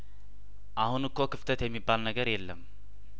አሁን እኮ ክፍተት የሚባል ነገር የለም